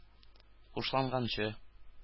Хушланганчы